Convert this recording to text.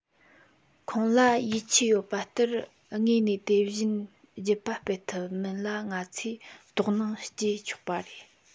ཁོང ལ ཡིད ཆེས ཡོད པ ལྟར དངོས གནས དེ བཞིན རྒྱུད པ སྤེལ ཐུབ མིན ལ ང ཚོས དོགས སྣང སྐྱེ ཆོག པ རེད